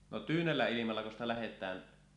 no tyynellä ilmallako sitä lähdetään